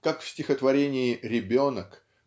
как в стихотворении "Ребенок"